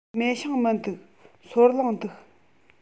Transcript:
མེ ཤིང མི འདུག སོལ རླངས འདུག